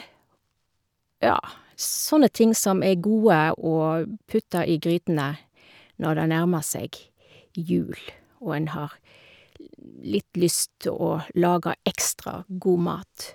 Ja, sånne ting som er gode å b putte i grytene når det nærmer seg jul, og en har litt lyst å lage ekstra god mat.